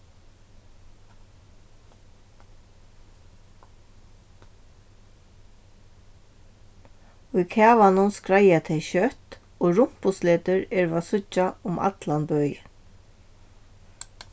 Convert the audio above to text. í kavanum skreiða tey skjótt og rumpusletur eru at síggja um allan bøin